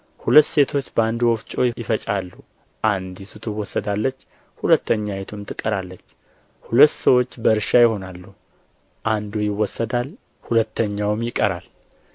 ሁለት ሴቶች በአንድ ወፍጮ ይፈጫሉ አንዲቱ ትወሰዳለች ሁለተኛይቱም ትቀራለች ሁለት ሰዎች በእርሻ ይሆናሉ አንዱ ይወሰዳል ሁለተኛውም ይቀራል